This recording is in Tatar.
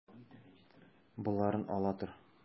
Боларын ала тор.